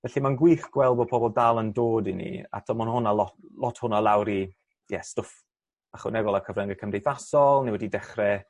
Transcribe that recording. Felly ma'n gwych gweld bo' pobol dal yn dod i ni a t'o' ma' ma' hwnna lot lot hwnna lawr i ie stwff ychwanegol ar cyfrynge cymdeithasol ni wedi dechre